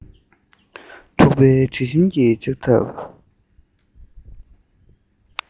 ཐུག པའི དྲི ཞིམ གྱིས ལྕགས ཐབ